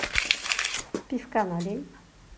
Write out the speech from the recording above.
пивка налей